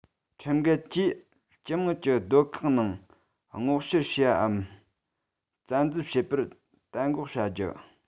ཁྲིམས འགལ གྱིས སྤྱི དམངས ཀྱི སྡོད ཁང ནང སྔོག བཤེར བྱེད པའམ བཙན འཛུལ བྱེད པར གཏན འགོག བྱ རྒྱུ